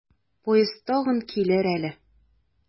Поезд тагын килер әле.